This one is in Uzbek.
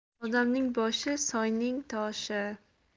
odamning boshi soyning toshi